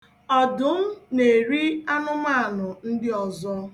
Ọdụm na-eri anụmanụ ndị ọzọ.